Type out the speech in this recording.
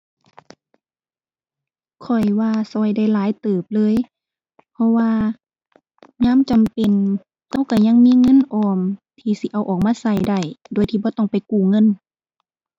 ข้อยว่าช่วยได้หลายเติบเลย เพราะว่ายามจำเป็นช่วยช่วยยังมีเงินออม ที่สิเอาออกมาช่วยได้ โดยที่บ่ต้องไปกู้เงิน